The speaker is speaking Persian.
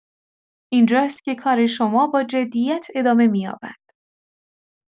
اینجاست که کار شما با جدیت ادامه می‌یابد.